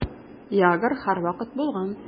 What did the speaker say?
Ягр һәрвакыт булган.